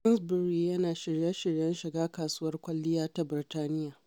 Sainsbury’s yana shirye-shiryen shiga kasuwar kwalliya ta Birtaniyya